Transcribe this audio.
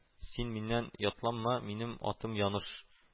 Син миннән ятланма, минем атым яныш